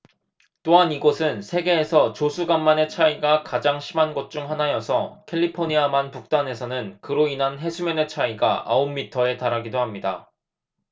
또한 이곳은 세계에서 조수 간만의 차이가 가장 심한 곳 중 하나여서 캘리포니아 만 북단에서는 그로 인한 해수면의 차이가 아홉 미터에 달하기도 합니다